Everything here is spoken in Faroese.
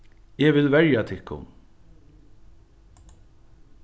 eg vil verja tykkum